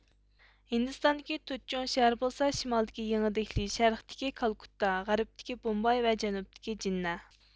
ھىندىستاندىكى تۆت چوڭ شەھەر بولسا شىمالدىكى يېڭى دېھلى شەرقتىكى كالكۇتتا غەربتىكى بومباي ۋە جەنۇبتىكى جىننەھ